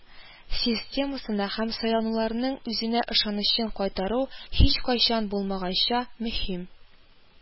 Системасына һәм сайлауларның үзенә ышанычын кайтару һичкайчан булмаганча мөһим